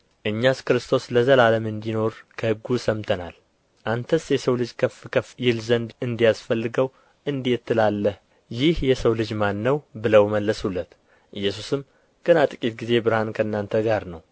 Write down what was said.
እኛስ ክርስቶስ ለዘላለም እንዲኖር ከሕጉ ሰምተናል አንተስ የሰው ልጅ ከፍ ከፍ ይል ዘንድ እንዲያስፈልገው እንዴት ትላላህ ይህ የሰው ልጅ ማን ነው ብለው መለሱለት ኢየሱስም ገና ጥቂት ጊዜ ብርሃን ከእናንተ ጋር ነው